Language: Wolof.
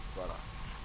voilà